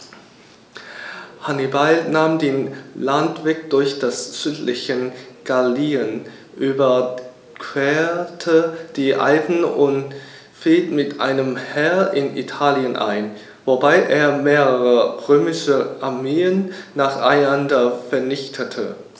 Hannibal nahm den Landweg durch das südliche Gallien, überquerte die Alpen und fiel mit einem Heer in Italien ein, wobei er mehrere römische Armeen nacheinander vernichtete.